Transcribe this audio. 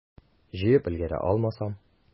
Җыеп өлгерә алмасам?